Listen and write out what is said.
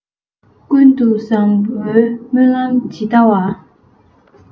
ཀུན ཏུ བཟང བོའི སྨོན ལམ ཇི ལྟ བ